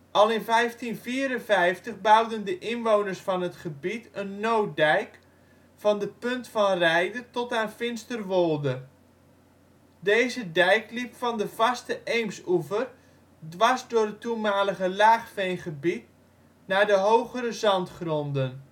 Al in 1454 bouwden de inwoners van het gebied een nooddijk van de Punt van Reide tot aan Finsterwolde. Deze dijk liep van de vaste Eemsoever dwars door het toenmalige laagveengebied naar de hogere zandgronden